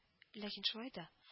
Ләкин шулай да